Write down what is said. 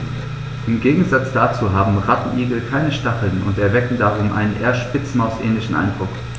Im Gegensatz dazu haben Rattenigel keine Stacheln und erwecken darum einen eher Spitzmaus-ähnlichen Eindruck.